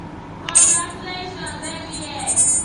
Congratulations MEX!